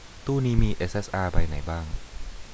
ตู้นี้มีเอสเอสอาใบไหนบ้าง